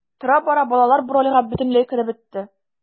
Тора-бара балалар бу рольгә бөтенләй кереп бетте.